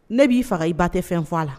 Ne b'i faga i ba tɛ fɛn fɔ a la